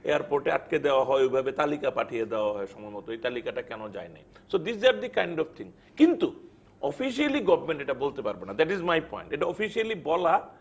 এয়ারপোর্টে আটকে দেয়া হয় ওইভাবে তালিকা পাঠিয়ে দেয়া হয় সম্ভবত এই তালিকা টা কেন যায় নাই so this are the kind of thing কিন্তু অফিশিয়ালি গভমেন্ট এটা বলতে পারবে না দ্যাট ইজ মাই পয়েন্ট এটা অফিশিয়ালি বলা